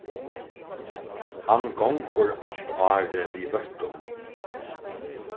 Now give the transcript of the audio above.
hann gongur alt árið við vøttum